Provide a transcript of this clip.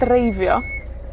dreifio.